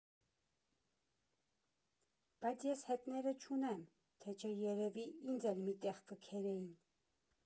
Բայց ես հետները չունեմ, թե չէ երևի ինձ էլ մի տեղ կքերեին։